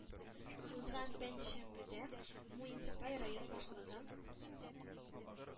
Узган пәнҗешәмбедә муниципаль район башлыгы,